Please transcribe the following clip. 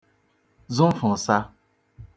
zụfụsa